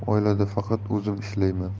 yo'q oilada faqat o'zim ishlayman